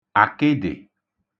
àkịdị̀